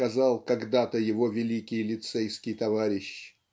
сказал когда-то его великий лицейский товарищ